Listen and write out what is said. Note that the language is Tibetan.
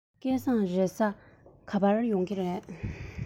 སྐལ བཟང རེས གཟའ ག པར ཡོང གི རེད